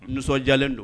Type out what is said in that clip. Nisɔnjalen don